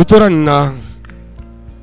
u tora nin na